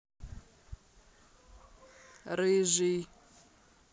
рыжий